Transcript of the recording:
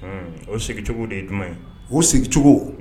Unn o sigicogo de ye jumɛ ye o sigicogo